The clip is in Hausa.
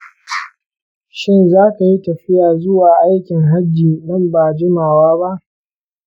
shin za ka yi tafiya zuwa aikin hajji nan baa jimawa ba?